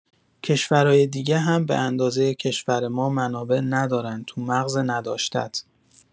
کشورای دیگه هم به‌اندازه کشور ما منابع ندارن تو مغز نداشتت